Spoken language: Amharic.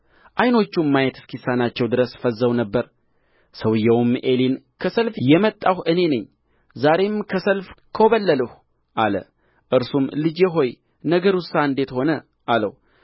ዓይኖቹም ማየት እስኪሳናቸው ድረስ ፈዝዘው ነበር ሰውዮውም ዔሊን ከሰልፍ የመጣሁ እኔ ነኝ ዛሬም ከሰልፍ ኮበለልሁ አለ እርሱም ልጄ ሆይ ነገሩሳ እንዴት ሆነ አለው